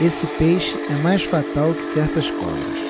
esse peixe é mais fatal que certas cobras